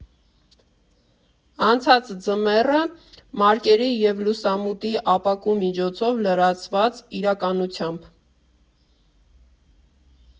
Անցած ձմեռը՝ մարկերի և լուսամուտի ապակու միջոցով լրացված իրականությամբ։